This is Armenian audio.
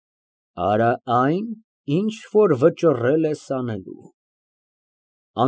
ՄԱՐԳԱՐԻՏ ֊ Այնտեղ, իմ սենյակում, գրասեղանիս մեջ։ ԲԱԳՐԱՏ ֊ Խոսե՞լ ես հայրիկի հետ։